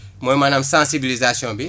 mooy maanaam sensibilisation bi